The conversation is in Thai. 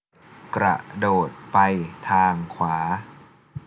กระโดดไปทางขวา